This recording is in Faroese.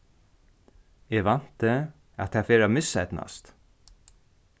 eg vænti at tað fer at miseydnast